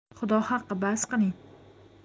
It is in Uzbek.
xudo haqqi bas qiling